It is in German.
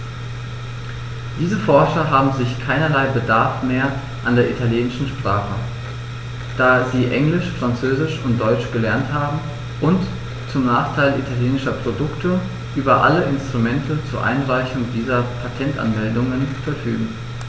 Diese Forscher haben sicher keinerlei Bedarf mehr an der italienischen Sprache, da sie Englisch, Französisch und Deutsch gelernt haben und, zum Nachteil italienischer Produkte, über alle Instrumente zur Einreichung dieser Patentanmeldungen verfügen.